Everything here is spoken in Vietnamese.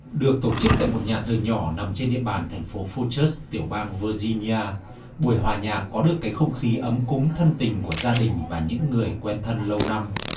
được tổ chức tại một nhà thờ nhỏ nằm trên địa bàn thành phố phô chớt tiểu bang vơ di ni a buổi hòa nhạc có được cái không khí ấm cúng thân tình của gia đình và những người quen thân lâu năm